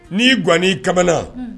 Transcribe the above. N'i gan ka